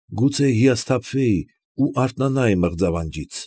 Գուցե հիասթափվեի ու արթնանայի մղձավանջից։